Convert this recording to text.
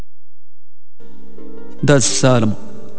بس سالم